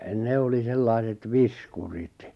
ne oli sellaiset viskurit